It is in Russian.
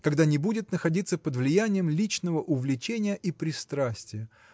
когда не будет находиться под влиянием личного увлечения и пристрастия.